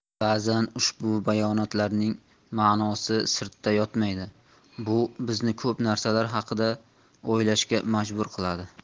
ba'zan ushbu bayonotlarning ma'nosi sirtda yotmaydi bu bizni ko'p narsalar haqida o'ylashga majbur qiladi